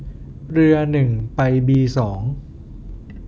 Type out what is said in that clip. เรือหนึ่งไปบีสอง